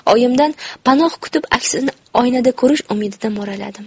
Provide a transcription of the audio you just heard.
oyimdan panoh kutib aksini oynada ko'rish umidida mo'raladim